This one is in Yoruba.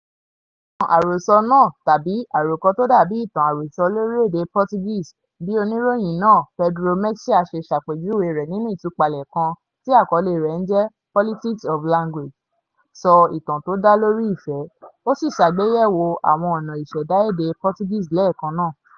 Ìtàn àròsọ náà - tàbí "àrọko tó dàbí ìtàn àròsọ̀ lórí èdè Portuguese", bí Oníròyìn náà Pedro Mexia ṣe ṣàpèjúwe rẹ̀ nínú ìtúpalẹ̀ kan tí àkọlé rẹ ń jẹ́ Politics of Language [pt] - sọ ìtàn tó dá lórí ìfẹ́, ó sì ṣàgbéyẹ̀wò àwọn ọ̀nà ìṣẹ̀dá èdè Portuguese lẹ́ẹ̀kan náà.